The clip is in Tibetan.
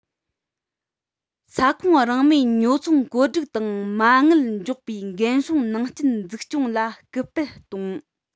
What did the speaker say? ས ཁོངས རང མོས ཉོ ཚོང བཀོད སྒྲིག དང མ དངུལ འཇོག པའི འགན སྲུང ནང རྐྱེན འཛུགས སྐྱོང ལ སྐུལ སྤེལ གཏོང